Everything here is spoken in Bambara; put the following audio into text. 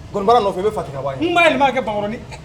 Ko bala nɔfɛ i bɛ fa tigɛ wa n'a nin'a kɛ banɔrɔnin